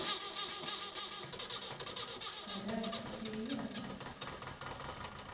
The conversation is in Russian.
подарки покривилась